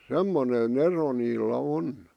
semmoinen ero niillä on